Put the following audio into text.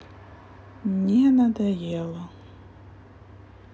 не надоело